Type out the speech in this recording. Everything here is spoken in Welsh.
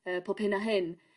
Yy pob hyn a hyn.